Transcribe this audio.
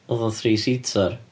Oedd o'n three-seater?